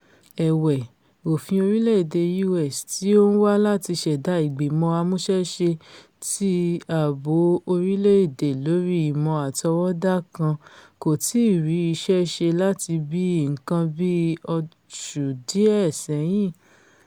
Ẹ̀wẹ̀, òfin orílẹ̀-èdè U.S. tí ó ń wá láti ṣẹ̀dá Ìgbìmọ̀ Amúṣẹ́ṣe ti Ààbò orílẹ̀-èdè lórí Ìmọ̀ Àtọwọ́da kan kò tíì rí iṣẹ́ ṣe láti bíi nǹkan bíi oṣù díẹ̀ ṣẹ́yìn